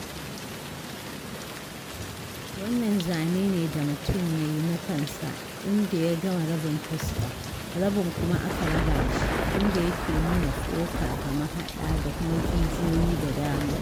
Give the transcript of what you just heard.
Wannan zane ne da mutum ya yi na kansa, inda ya gama rabin fuska, rabin kuma aka raba shi, inda yake nuna tsoka da mahaɗa da kuma jijiyoyi da dama.